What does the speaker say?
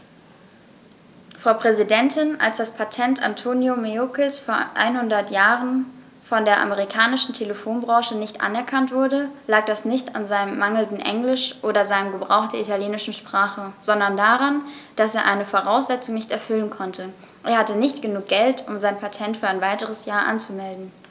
Frau Präsidentin, als das Patent Antonio Meuccis vor einhundert Jahren von der amerikanischen Telefonbranche nicht anerkannt wurde, lag das nicht an seinem mangelnden Englisch oder seinem Gebrauch der italienischen Sprache, sondern daran, dass er eine Voraussetzung nicht erfüllen konnte: Er hatte nicht genug Geld, um sein Patent für ein weiteres Jahr anzumelden.